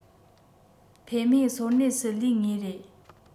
འཕེལ མེད སོར གནས སུ ལུས ངེས རེད